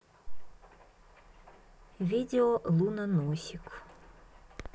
видео луноносик